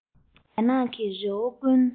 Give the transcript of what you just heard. རྒྱ ནག གི རི བོ ཀུན